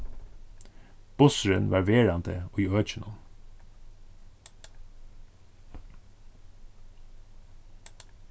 bussurin varð verandi í økinum